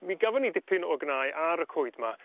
Mi gafon ni dipyn o gnau ar y coed 'ma